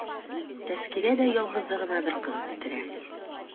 Тәзкирә дә ялгызы гына бер кыз үстерә.